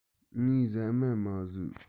ངས ཟ མ མ ཟོས